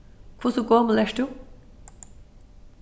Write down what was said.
hvussu gomul ert tú